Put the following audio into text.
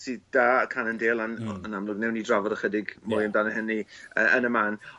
sydd 'da Cannondale yn... Hmm. ...yn amlwg newn ni drafod ychydig mwy amdano hynny yy yn y man.